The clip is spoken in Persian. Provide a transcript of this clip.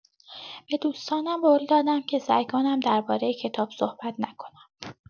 به دوستانم قول دادم که سعی کنم درباره کتاب صحبت نکنم.